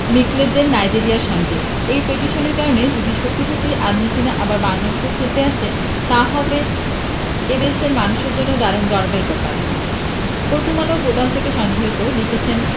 মিকেলদের নাইজেরিয়ার সঙ্গে এই পিটিশনের কারণে যদি সত্যি সত্যিই আর্জেন্টিনা আবার বাংলাদেশে খেলতে আসে তা হবে এ দেশের মানুষের জন্য দারুণ গর্বের ব্যাপার প্রথমআলো পোর্টাল থেকে সংগৃহীত লিখেছেন